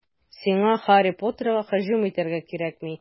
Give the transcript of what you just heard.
Сиңа Һарри Поттерга һөҗүм итәргә кирәкми.